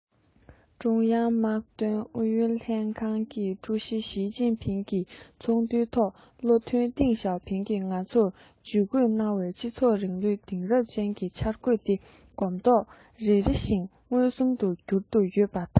ཀྲུང དབྱང དམག དོན ཨུ ལྷན གྱི ཀྲུའུ ཞི ཞིས ཅིན ཕིང གིས ཚོགས འདུའི ཐོག བློ མཐུན ཏེང ཞའོ ཕིང གིས ང ཚོར ཇུས འགོད གནང བའི སྤྱི ཚོགས རིང ལུགས དེང རབས ཅན གྱི འཆར འགོད དེ གོམ སྟབས རེ རེ བཞིན མངོན སུམ དུ འགྱུར དུ ཡོད པ དང